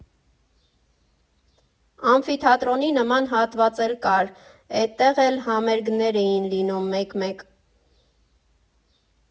Ամֆիթատրոնի նման հատված էլ կար, էդտեղ էլ համերգներ էին լինում մեկ֊մեկ…